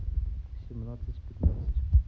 семнадцать пятнадцать